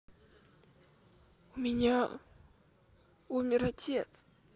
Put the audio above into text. у меня умер отец